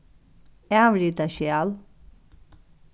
avrita skjal